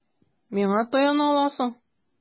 Миңа таяна аласың.